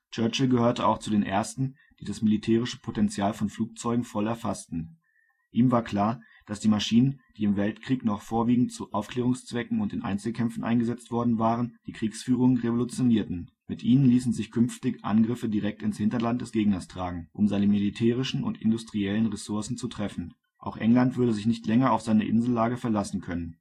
Churchill gehörte auch zu den Ersten, die das militärische Potenzial von Flugzeugen voll erfassten. Ihm war klar, dass die Maschinen, die im Weltkrieg noch vorwiegend zu Aufklärungszwecken und in Einzelkämpfen eingesetzt worden waren, die Kriegsführung revolutionierten. Mit ihnen ließen sich künftig Angriffe direkt ins Hinterland des Gegners tragen, um seine militärischen und industriellen Ressourcen zu treffen. Auch England würde sich nicht länger auf seine Insellage verlassen können